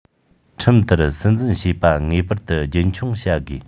ཁྲིམས ལྟར སྲིད འཛིན བྱེད པ ངེས པར དུ རྒྱུན འཁྱོངས བྱ དགོས